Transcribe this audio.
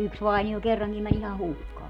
yksi vainio kerrankin meni ihan hukkaan